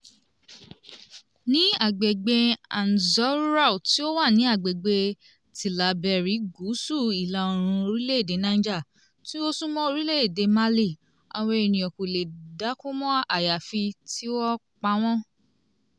Ní agbègbè Anzourou, tí ó wà ní agbègbè Tillaberi [gúúsù - ìlà oòrùn orílẹ̀ èdè Niger, tí ó súnmọ́ orílẹ̀ èdè Mali], àwọn ènìyàn kò lè dáko mọ́ àyàfi kí wọ́n ó pa wọ́n.